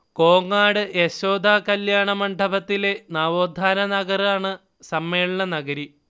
കോങ്ങാട് യശോദ കല്യാണമണ്ഡപത്തിലെ നവോത്ഥാന നഗറാണ് സമ്മേളനനഗരി